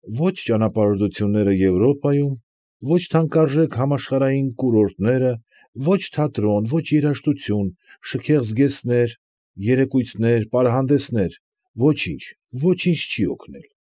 Ո՛չ ճանապարհորդությունները Եվրոպայում, ո՛չ թանկարժեք, համաշխարհային կուրորտները, ո՛չ թատրոն, ո՛չ երաժշտություն, շքեղ զգեստներ, երեկույթներ, պարանհանդեսներ, ոչինչ չի օգնել։